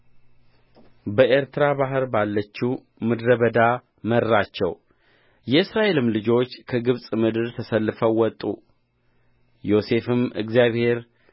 በኤርትራ ባሕር ባለችው ምድረ በዳ መራቸው የእስራኤልም ልጆች ከግብፅ ምድር ተሰልፈው ወጡ ዮሴፍም እግዚአብሔር